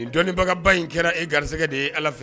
Nin dɔnnibagaba in kɛra e garisɛgɛ de ye ala fɛ.